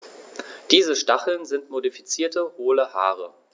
Diese Stacheln sind modifizierte, hohle Haare.